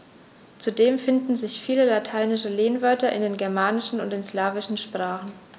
Zudem finden sich viele lateinische Lehnwörter in den germanischen und den slawischen Sprachen.